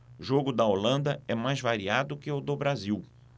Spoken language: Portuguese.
jogo da holanda é mais variado que o do brasil